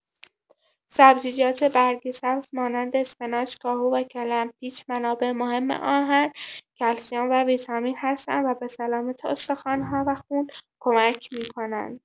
سبزیجات برگ‌سبز مانند اسفناج، کاهو و کلم پیچ منابع مهم آهن، کلسیم و ویتامین هستند و به سلامت استخوان‌ها و خون کمک می‌کنند.